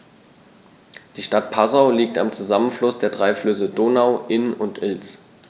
Die Stadt Passau liegt am Zusammenfluss der drei Flüsse Donau, Inn und Ilz.